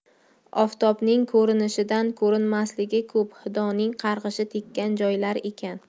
oftobning ko'rinishidan ko'rinmasligi ko'p xudoning qarg'ishi tekkan joylar ekan